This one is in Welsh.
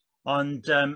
ond yym